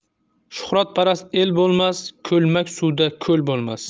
shuhratparast el bo'lmas ko'lmak suvdan koi bo'lmas